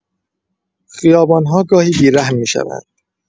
خیابان‌ها گاهی بی‌رحم می‌شوند.